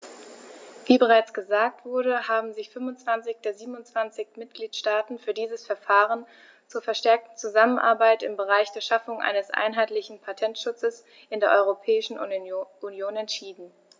Wie bereits gesagt wurde, haben sich 25 der 27 Mitgliedstaaten für dieses Verfahren zur verstärkten Zusammenarbeit im Bereich der Schaffung eines einheitlichen Patentschutzes in der Europäischen Union entschieden.